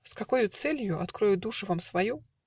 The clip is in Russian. с какою целью Открою душу вам свою?